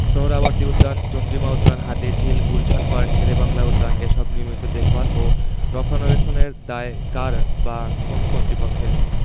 সোহ্রাওয়ার্দী উদ্যান চন্দ্রিমা উদ্যান হাতিরঝিল গুলশান পার্ক শেরেবাংলা উদ্যান এসব নিয়মিত দেখভাল ও রক্ষণাবেক্ষণের দায় কার বা কোন্ কর্তৃপক্ষের